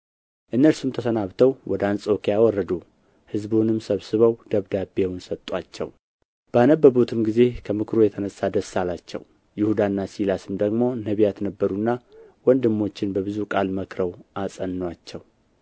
እነርሱም ተሰናብተው ወደ አንጾኪያ ወረዱ ሕዝቡንም ሰብስበው ደብዳቤውን ሰጡአቸው ባነበቡትም ጊዜ ከምክሩ የተነሣ ደስ አላቸው ይሁዳና ሲላስም ደግሞ ነቢያት ነበሩና ወንድሞችን በብዙ ቃል መክረው አጸኑአቸው